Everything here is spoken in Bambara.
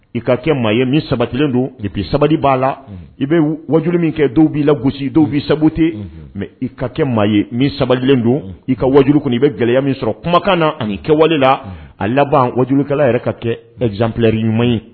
I ka kɛ maa ye min sabatilen don ninpi sabali b' la i bɛ waju min kɛ dɔw b'i la gosi dɔwbi sabute nka i ka kɛ maa ye min sabalilen don i ka waju kɔnɔ i bɛ gɛlɛyaya min sɔrɔ kumakan na ani kɛwalela a laban wajukɛla yɛrɛ ka kɛzplɛliri ɲuman ye